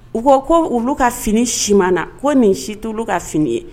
U ko ko olu ka fini siman na ko nin si to olu ka fini ye